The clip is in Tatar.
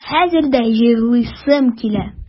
Менә хәзер дә җырлыйсым килә.